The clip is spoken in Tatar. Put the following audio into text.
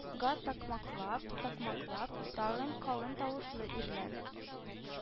Га, такмаклап-такмаклап, тагын калын тавышлы ирләр